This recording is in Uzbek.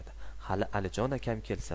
hali alijon akam kelsa